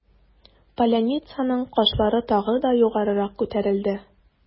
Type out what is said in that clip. Поляницаның кашлары тагы да югарырак күтәрелде.